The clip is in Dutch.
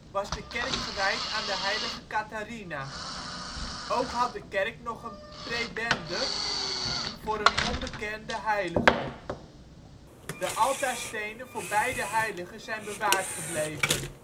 was de kerk gewijd aan de heilige Katharina. Ook had de kerk nog een prebende voor een onbekende heilige. De altaarstenen voor beide heiligen zijn bewaard gebleven